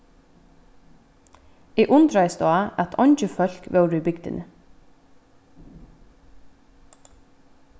eg undraðist á at eingi fólk vóru í bygdini